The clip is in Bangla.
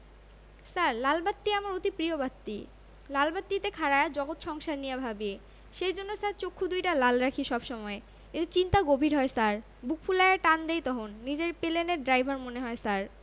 ছার লাল বাত্তি আমার অতি প্রিয় বাত্তি লাল বাত্তি তে খাড়ায়া জগৎ সংসার নিয়া ভাবি এইজন্য ছার চোক্ষু দুউডা লাল রাখি সব সময় এতে চিন্তা গভীর হয় ছার বুক ফুলায়া টান দেই তহন নিজেরে পেলেনের ড্রাইভার মনে হয় ছার...